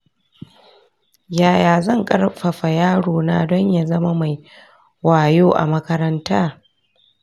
yaya zan ƙarfafa yarona don ya zama mai wayo a makaranta?